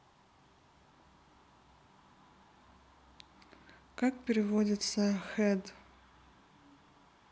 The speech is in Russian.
как переводится хэд